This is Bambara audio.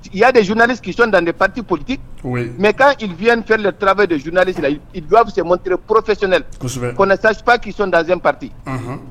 Ya de zundani ki dan pati pti mɛ kafifɛ de tura de zund setrefɛsɛɛ sa ki dan pati